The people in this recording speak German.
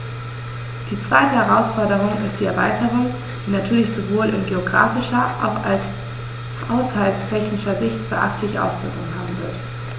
Die zweite Herausforderung ist die Erweiterung, die natürlich sowohl in geographischer als auch haushaltstechnischer Sicht beachtliche Auswirkungen haben wird.